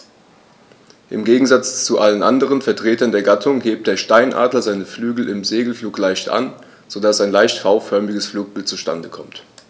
Im Gegensatz zu allen anderen Vertretern der Gattung hebt der Steinadler seine Flügel im Segelflug leicht an, so dass ein leicht V-förmiges Flugbild zustande kommt.